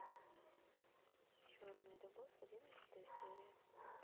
черная любовь одиннадцатая серия